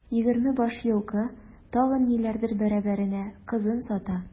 Егерме баш елкы, тагын ниләрдер бәрабәренә кызын сата.